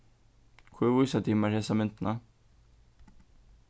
hví vísa tit mær hesa myndina